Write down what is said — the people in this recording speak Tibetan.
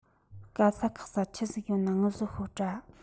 དཀའ ས ཁག ས ཆི ཟིག ཡོད ན ངུ བཟོ ཤོད དྲ